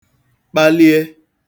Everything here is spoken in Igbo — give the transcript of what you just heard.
kpalie